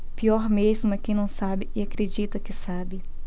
pior mesmo é quem não sabe e acredita que sabe